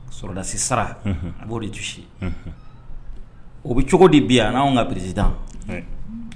Sɔrɔdasi sara; Unhun; a b'o de touché ;Unhun ; O bɛ cogo di bi a ni anw ka président ?